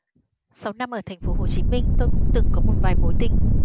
sáu năm ở thành phố hồ chí minh tôi cũng từng có một vài mối tình